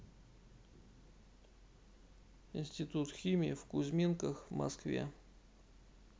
институт химии в кузьминках в москве